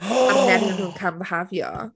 O! ...partneriaid nhw'n cambihafio.